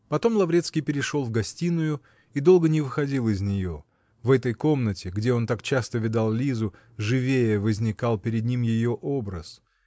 Потом Лаврецкий перешел в гостиную и долго не выходил из нее: в этой комнате, где он так часто видал Лизу, живее возникал перед ним ее образ